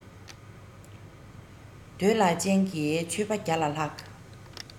འདོད ལ ཅན གྱི ཆོས པ བརྒྱ ལ ལྷག